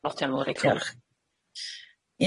Diolch.